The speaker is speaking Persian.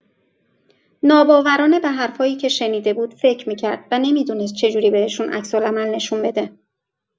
ناباورانه به حرف‌هایی که شنیده بود فکر می‌کرد و نمی‌دونست چجوری بهشون عکس‌العمل نشون بده.